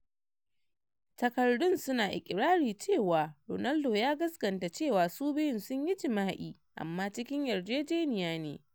Takardun su na ikirari cewa Ronaldo ya gasganta cewa su biyun sun yi jima’i, amma cikin yarjejeniya ne.